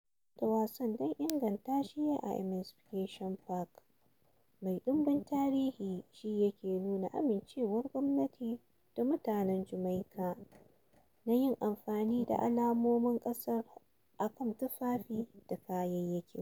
Gabatar da wasan don inganta shi a Emancipation Park mai ɗumbin tarihi shi yake nuna amincewar gwamnati da mutanen Jamaika na yin amfani da alamomin ƙasar a kan tufafin da kayayyakin.